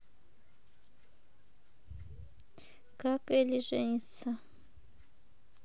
как эли жениться